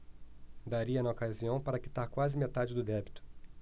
daria na ocasião para quitar quase metade do débito